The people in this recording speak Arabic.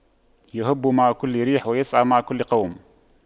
يَهُبُّ مع كل ريح ويسعى مع كل قوم